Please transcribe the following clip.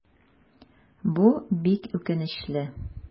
Бу бик үкенечле.